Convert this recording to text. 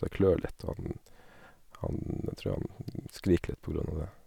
Det klør litt, og han han jeg tror han skriker litt på grunn av det.